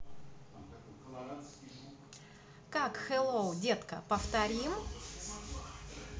как hello детка повторим